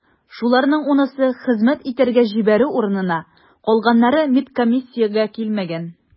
Шуларның унысы хезмәт итәргә җибәрү урынына, калганнары медкомиссиягә килмәгән.